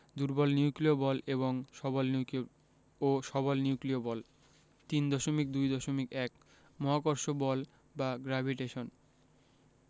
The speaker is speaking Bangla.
দুর্বল নিউক্লিয় বল এবং সবল নিউক্লিয় ও সবল নিউক্লিয় বল ৩.২.১ মহাকর্ষ বল বা গ্রেভিটেশন